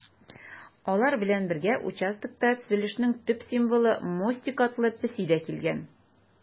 Алар белән бергә участокта төзелешнең төп символы - Мостик атлы песи дә килгән.